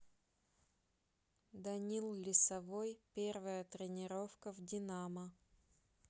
данил лесовой первая тренировка в динамо